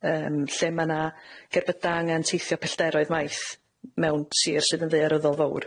yym lle ma'na cerbyda' angan teithio pellderoedd maith, mewn sir sydd yn ddaearyddol fowr.